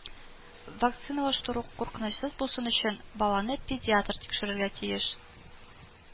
Вакциналаштыру куркынычсыз булсын өчен баланы педиатр тикшерергә тиеш